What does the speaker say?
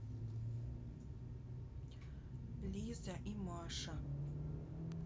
лиза и маша